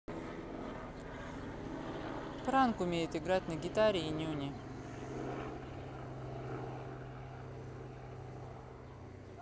пранк умеет играть на гитаре и нюни